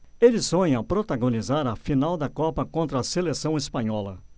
ele sonha protagonizar a final da copa contra a seleção espanhola